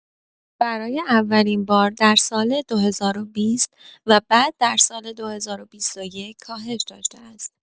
و برای اولین بار در سال ۲۰۲۰ و بعد در سال ۲۰۲۱ کاهش داشته است.